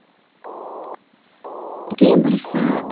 keyin bilishsa